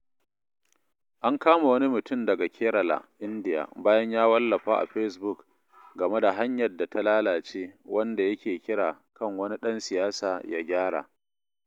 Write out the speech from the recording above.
An kama wani mutum daga Kerala, Indiya, bayan ya wallafa a Facebook game da hanyar da ta lalace, wanda yake kira kan wani ɗan siyasa ya gyara.